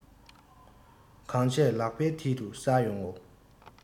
གང བྱས ལག པའི མཐིལ དུ གསལ ཡོང ངོ